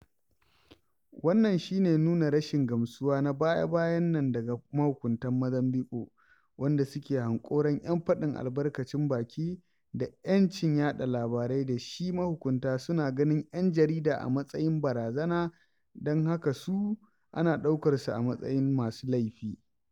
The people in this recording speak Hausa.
Wannan shi ne nuna rashin gamsuwa na baya-bayan nan daga mahukuntan Mozambiƙue wanda suke hanƙoron 'yan faɗin albarkacin baki da 'yancin yaɗa labarai da shi [mahunkunta] suna ganin 'yan jarida a matsayin barazana... [don haka su] ana ɗaukar su a matsayin masu laifi.